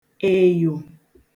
èyò